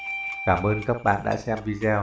cảm ơn các bạn đã xem video